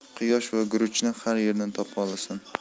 quyosh va guruchni har yerdan topa olasan